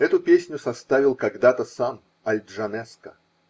Эту песню составил когда то сам Аль-Джанеско.